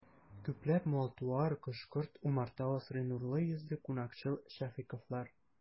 Күпләп мал-туар, кош-корт, умарта асрый нурлы йөзле, кунакчыл шәфыйковлар.